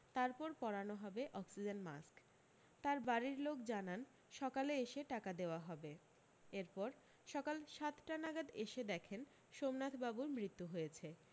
তারপর পরানো হবে অক্সিজেন মাস্ক তার বাড়ীর লোক জানান সকালে এসে টাকা দেওয়া হবে এরপর সকাল সাতটা নাগাদ এসে দেখেন সোমনাথবাবুর মৃত্যু হয়েছে